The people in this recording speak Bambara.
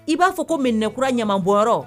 I b'a fɔ ko miniinɛkura ɲamabɔyɔrɔ